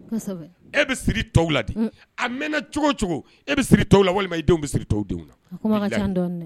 E bɛ la a cogo cogo e bɛ la walima bɛ denw